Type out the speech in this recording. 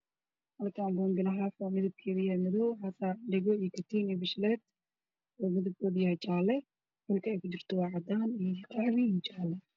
Meeshaan waxaa ka muuqdo boombale madaw ah oo korka ka saaran yahay dahab jaalo ah